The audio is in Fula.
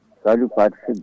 Salif Paté Figgua